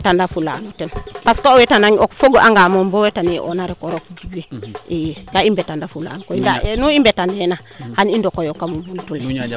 i mbeta na fulaan o ten parce que o weta nange o fogu anga moom bo weta eena rek o rok Djiby kaa i mbeta na fulaan ndaa heure nu i mbeta neena xa i ndokoyo kamo buntu le